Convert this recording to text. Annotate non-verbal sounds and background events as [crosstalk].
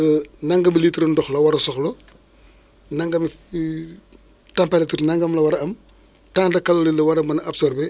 [hesitation] nangamu litre ndox la war a soxla nangami [hesitation] température nagam la war a am tant de calorie la war a mën a absorbé